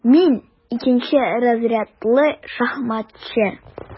Мин - икенче разрядлы шахматчы.